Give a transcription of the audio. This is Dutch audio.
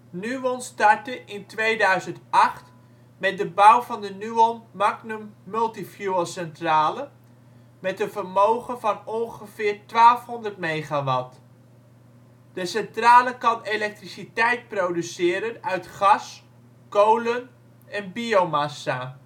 NUON startte in 2008 met de bouw van de Nuon Magnum Multi-fuel centrale met een vermogen van ongeveer 1.200 MW. De centrale kan elektriciteit produceren uit gas, kolen en biomassa